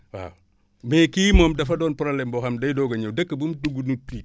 waaw mais kii moom dafa doon problème boo xam ne day doog a ñëw dëkk bu mu dugg nu tiit